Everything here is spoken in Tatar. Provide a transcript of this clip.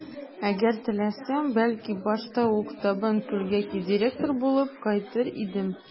Әгәр теләсәм, бәлки, башта ук Табанкүлгә директор булып кайтыр идем.